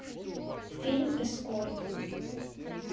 фильм эскорт